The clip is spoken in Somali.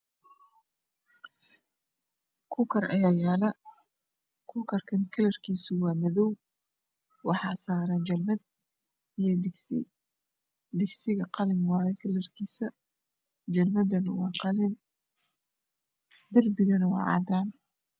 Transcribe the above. Kuukar ayaa yala kuukarkan kalr kiisu waa madow waxaa saran jelmed iyo digsi digsiga qalin waye kalar kiisa jelmedana waa qalin derbigana waa cadan